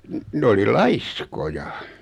- ne oli laiskoja